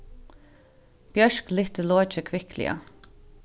bjørk lyfti lokið kvikliga